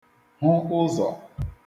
hụ ụzọ̀